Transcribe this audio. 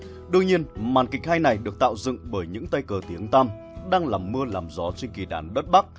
đương nhiên màn kịch hay này được tạo dựng bởi những tay cờ tiếng tăm đang làm mưa làm gió trên kỳ đàn đất bắc